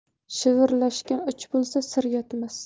shivirlashgan uch bo'lsa sir yotmas